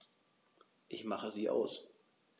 Ich mache sie aus.